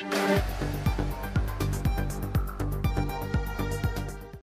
San